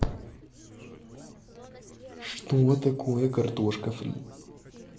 что такое картохи фри